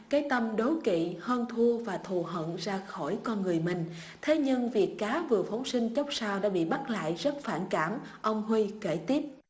cái tâm đố kỵ hơn thua và thù hận ra khỏi con người mình thế nhưng vì cá vừa phóng sinh chốc sao đã bị bắt lại rất phản cảm ông huy kể tiếp